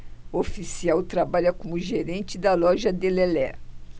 o oficial trabalha como gerente da loja de lelé